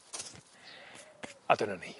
A dyna ni.